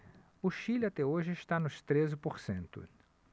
o chile até hoje está nos treze por cento